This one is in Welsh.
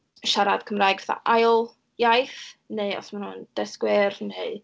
siarad Cymraeg fatha ail iaith, neu os ma' nhw'n dysgwyr neu...